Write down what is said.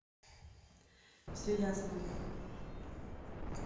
все ясно